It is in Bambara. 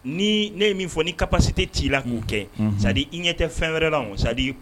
Ni ne ye min fɔ n'i ka pasi tɛ ci' i la k'o kɛ sadi i ɲɛ tɛ fɛn wɛrɛ la o sadi